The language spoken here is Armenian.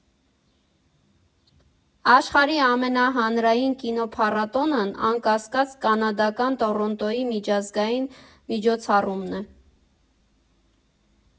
Աշխարհի ամենահանրային կինոփառատոնն, անկասկած, կանադական Տորոնտոյի միջազգային միջոցառումն է։